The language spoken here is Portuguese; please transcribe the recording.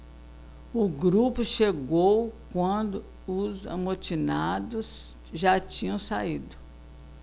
o grupo chegou quando os amotinados já tinham saído